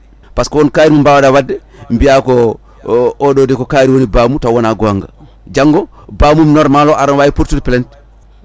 par ce que won kayit mo mbawɗa wadde mbiya ko oɗo de ko kaari woni bammun taw wona gonga janggo bammum normal o ara ne wawi portude plainte